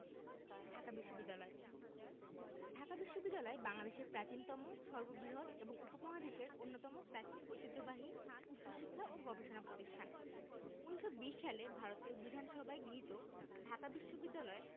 ঢাকা বিশ্ববিদ্যালয় ঢাকা বিশ্ববিদ্যালয় বাংলাদেশের প্রাচীনতম সর্ববৃহৎ এবং উপমহাদেশের অন্যতম প্রাচীন ঐতিহ্যবাহী উচ্চশিক্ষা ও গবেষণা প্রতিষ্ঠান ১৯২০ সালে ভারতীয় বিধানসভায় গৃহীত ঢাকা বিশ্ববিদ্যালয়